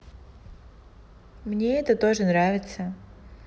мне это тоже нравится